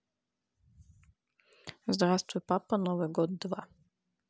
здравствуй папа новый год два